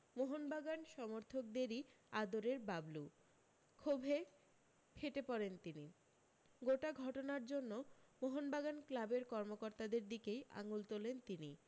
মোহনবাগান সমর্থকদেরই আদরের বাবলু ক্ষোভে ফেটে পড়েন তিনি গোটা ঘটনার জন্য মোহনবাগান ক্লাবের কর্মকর্তাদের দিকেই আঙুল তোলেন তিনি